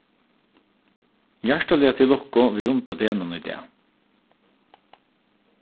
hjartaliga til lukku við runda degnum í dag